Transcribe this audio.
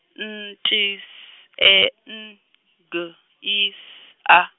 N T S E N G I S A.